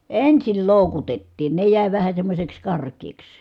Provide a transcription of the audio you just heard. ensin loukutettiin ne jäi vähän semmoiseksi karkeaksi